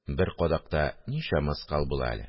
Бер кадакта ничә мыскал була әле